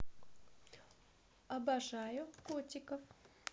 обожаю котиков